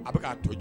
A bɛ k' to